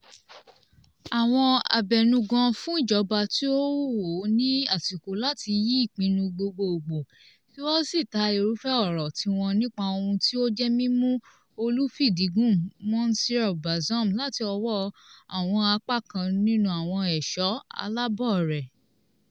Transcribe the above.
Àwọn abẹnugan fún ìjọba tí ó wó ní àsìkò láti yí ìpinnu gbogbogbò kí wọn ó sì ta irúfẹ́ ọ̀rọ̀ tiwọn nípa ohun tí ó jẹ́ mímú olùfidígun Monsieur Bazoum láti ọwọ́ àwọn apá kan nínú àwọn ẹ̀ṣọ́ aláàbò rẹ̀.